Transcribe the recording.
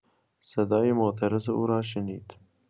صدای معترض او را شنید